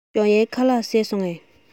ཞའོ གཡན ཁ ལག བཟས སོང ངས